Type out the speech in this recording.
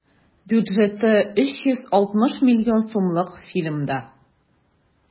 Бюджеты 360 миллион сумлык фильмда.